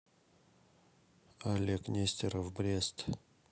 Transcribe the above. олег нестеров брест